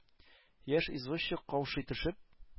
Яшь извозчик, каушый төшеп,